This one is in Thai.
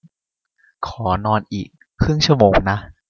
ขอนอนอีกครึ่งชั่วโมงนะ